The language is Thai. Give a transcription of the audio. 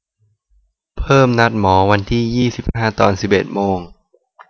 เพิ่มนัดหมอวันที่ยี่สิบห้าตอนสิบเอ็ดโมง